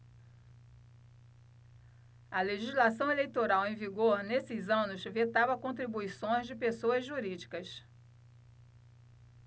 a legislação eleitoral em vigor nesses anos vetava contribuições de pessoas jurídicas